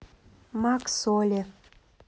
макс оле